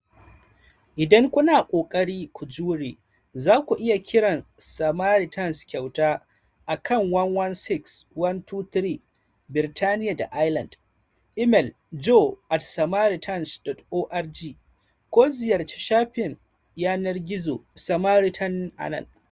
Idan kuna ƙoƙari ku jure, za ku iya kiran Samaritans kyauta akan 116 123 (Birtaniya da Ireland), imail jo@samaritans.org, ko ziyarci shafin yanar gizon Samaritan a nan.